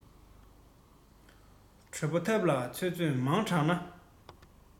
གྲོད པ ཐབ ལ ཚོད ཚོད མང དྲགས ན